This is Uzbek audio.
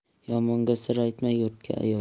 yomonga sir aytma yurtga yoyar